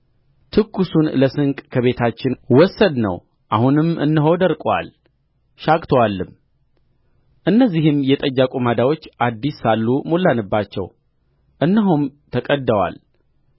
ትኩሱን ለስንቅ ከቤታችን ወሰድነው አሁንም እነሆ ደርቆአል ሻግቶአልም እነዚህም የጠጅ አቁማዳዎች አዲስ ሳሉ ሞላንባቸው እነሆም ተቀድደዋል